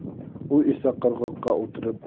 u esa qirg'oqqa o'tirib